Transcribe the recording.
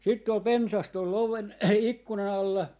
sitten oli pensas tuolla oven ikkunan alla